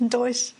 Yndoes?